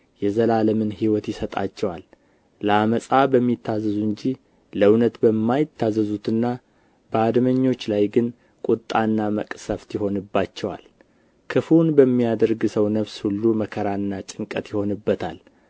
የዘላለምን ሕይወት ይሰጣቸዋል ለዓመፃ በሚታዘዙ እንጂ ለእውነት በማይታዘዙትና በአድመኞች ላይ ግን ቍጣና መቅሠፍት ይሆንባቸዋል ክፉውን በሚያደርግ ሰው ነፍስ ሁሉ መከራና ጭንቀት ይሆንበታል